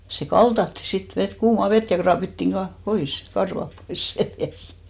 se kaltattiin sitten vettä kuumaa vettä ja raapittiin - pois karvat pois selästä